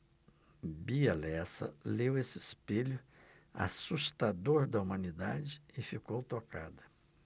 bia lessa leu esse espelho assustador da humanidade e ficou tocada